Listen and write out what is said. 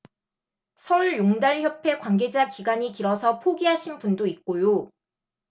서울용달협회 관계자 기간이 길어서 포기하신 분도 있고요